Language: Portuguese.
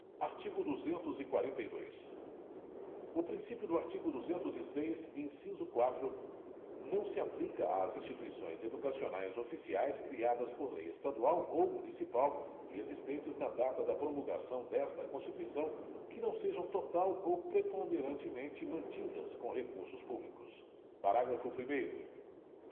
artigo duzentos e quarenta e dois o princípio do artigo duzentos e seis inciso quatro não se aplica às instituições educacionais oficiais criadas por lei estadual ou municipal e existentes na data da promulgação desta constituição que não sejam total ou preponderantemente mantidas com recursos públicos parágrafo primeiro